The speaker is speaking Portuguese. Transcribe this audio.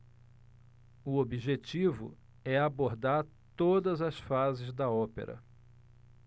o objetivo é abordar todas as fases da ópera